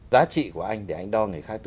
giá trị của anh để anh đo người khác